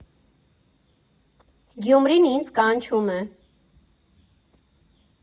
Գյումրին ինձ կանչում է։